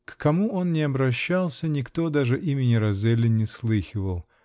К кому он ни обращался -- никто даже имени Розелли не слыхивал